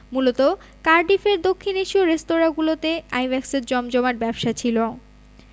মূলত কার্ডিফের দক্ষিণ এশীয় রেস্তোরাঁগুলোতে আইব্যাকসের জমজমাট ব্যবসা ছিল